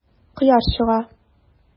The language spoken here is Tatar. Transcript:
Кояш чыга.